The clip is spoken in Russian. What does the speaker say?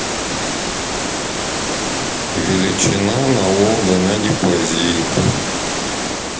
величина налога на депозит